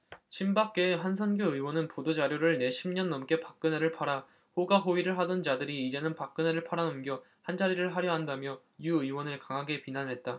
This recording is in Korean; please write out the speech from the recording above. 친박계의 한선교 의원은 보도 자료를 내 십 년 넘게 박근혜를 팔아 호가호위를 하던 자들이 이제는 박근혜를 팔아넘겨 한자리를 하려 한다며 유 의원을 강하게 비난했다